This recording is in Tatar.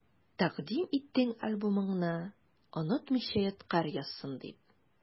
Тәкъдим иттең альбомыңны, онытмыйча ядкарь язсын дип.